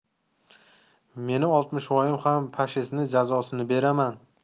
meni oltmishvoyim ham pashistni jazosini beraman